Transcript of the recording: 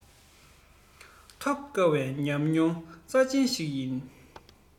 ཐོབ དཀའ བའི ཉམས མྱོང རྩ ཆེན ཞིག ཡིན